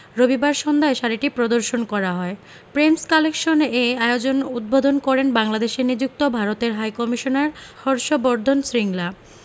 রবিবার সন্ধ্যায় শাড়িটি প্রদর্শন করা হয় প্রেমস কালেকশন এ আয়োজন উদ্বোধন করেন বাংলাদেশে নিযুক্ত ভারতের হাইকমিশনার হর্ষ বর্ধন শ্রিংলা